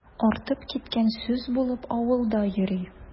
Артып киткәне сүз булып авылда йөри.